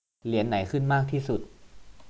เหรียญไหนขึ้นมากที่สุด